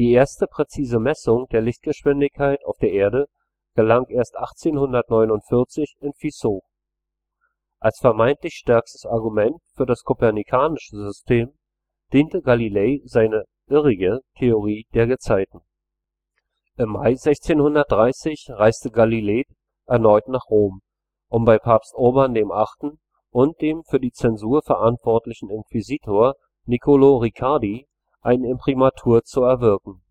erste präzise Messung der Lichtgeschwindigkeit auf der Erde gelang erst 1849 Fizeau. Als vermeintlich stärkstes Argument für das kopernikanische System diente Galilei seine – irrige – Theorie der Gezeiten. Im Mai 1630 reiste Galilei erneut nach Rom, um bei Papst Urban VIII. und dem für die Zensur verantwortlichen Inquisitor Niccolò Riccardi ein Imprimatur zu erwirken